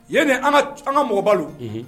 Ye ne an ka mɔgɔba don, unhun